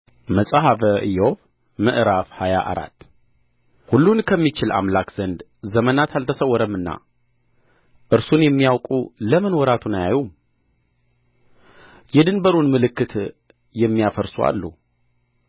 መጽሐፈ ኢዮብ ምዕራፍ ሃያ አራት ሁሉን ከሚችል አምላክ ዘንድ ዘመናት አልተሰወረምና እርሱን የሚያውቁ ለምን ወራቱን አያዩም የድንበሩን ምልክት የሚያፈርሱ አሉ